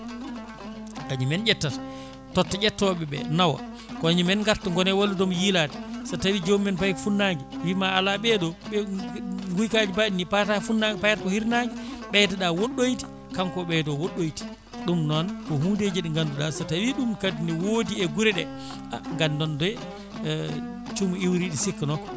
kañumen ƴettata totta ƴettoɓeɓe nawa kañumen garta goona e walludema yiilade so tawi jomumen paayi ko funnangue wiima ala ɓeeɗo ɓe guykaji mbaɗini paata funnangue payata ko hirnangue ɓeydo ɗa woɗɗoyde kanko o ɓeydo woɗɗoyde ɗum noon ko hundeji ɗi ganduɗa so tawi ɗum kadi ne woodi e guure ɗe a gandon de cuumu iwri ɗo sikkanoka